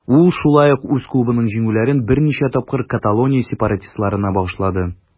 Ул шулай ук үз клубының җиңүләрен берничә тапкыр Каталония сепаратистларына багышлады.